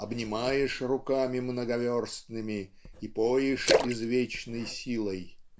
обнимаешь руками многоверстными и поишь извечной силой.